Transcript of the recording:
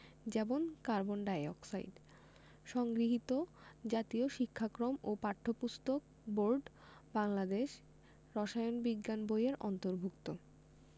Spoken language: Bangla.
যেমন কার্বন ডাই অক্সাইড সংগৃহীত জাতীয় শিক্ষাক্রম ও পাঠ্যপুস্তক বোর্ড বাংলাদেশ রসায়ন বিজ্ঞান বই এর অন্তর্ভুক্ত